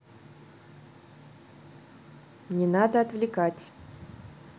не надо отвлекать